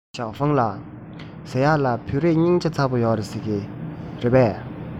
ཞའོ ཧྥུང ལགས ཟེར ཡས ལ བོད རིགས སྙིང རྗེ ཚ པོ ཡོད རེད ཟེར གྱིས རེད པས